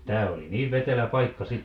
tämä oli niin vetelä paikka sitten